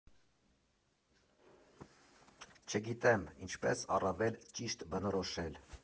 ֊ Չգիտեմ՝ ինչպես առավել ճիշտ բնորոշել.